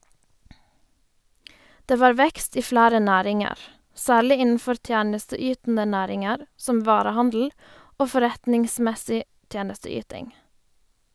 Det var vekst i flere næringer, særlig innenfor tjenesteytende næringer som varehandel og forretningsmessig tjenesteyting.